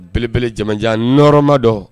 Belebele jamanajan n nɔɔrɔ ma dɔn